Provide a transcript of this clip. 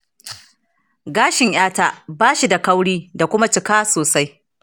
gashin 'yata bashi da kauri da kuma cika sosai.